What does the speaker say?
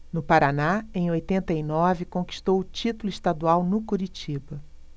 no paraná em oitenta e nove conquistou o título estadual no curitiba